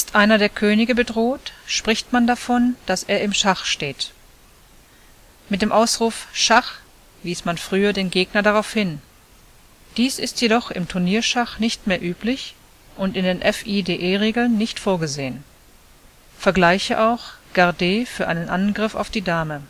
einer der Könige bedroht, spricht man davon, dass er im Schach steht. Mit dem Ausruf „ Schach! “wies man früher den Gegner darauf hin; dies ist jedoch im Turnierschach nicht mehr üblich und in den FIDE-Regeln nicht vorgesehen (vergleiche auch Gardez für einen Angriff auf die Dame